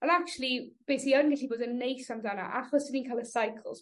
on' actually be' sy yn gallu bod yn neis amdano achos 'yn ni ca'l y cycles